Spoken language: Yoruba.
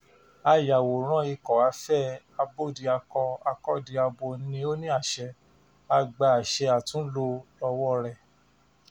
Ayàwòrán Ikọ̀ Afẹ́ Abódiakọ-akọ́diabo ni ó ní àṣẹ, a gba àṣẹ àtúnlò lọ́wọ́ọ rẹ̀.